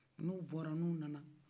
n'u bɔra n'u nana